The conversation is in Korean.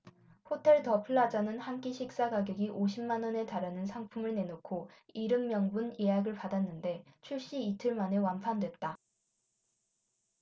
호텔 더 플라자는 한 끼 식사 가격이 오십 만원에 달하는 상품을 내놓고 일흔 명분 예약을 받았는데 출시 이틀 만에 완판됐다